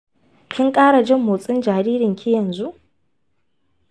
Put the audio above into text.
kin fara jin motsin jaririnki yanzu?